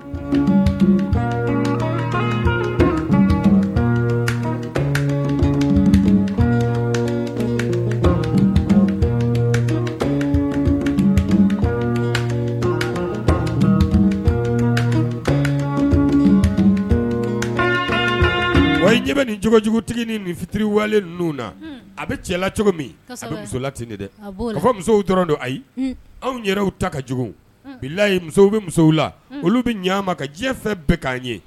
Wa ɲɛ bɛ nin cogojugutigi ni fitiriwale ninnu na a bɛ cɛ la cogo min a bɛ muso la ten dɛ ka fɔ musow dɔrɔn don ayi anw yɛrɛw ta ka jugu bilayi musow bɛ muso la olu bɛ ɲɛ ma ka diɲɛ fɛn bɛɛ k'an ye